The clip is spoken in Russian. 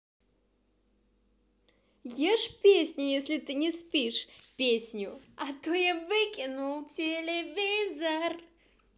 ешь песню если ты не спишь песню то я выкинул телевизор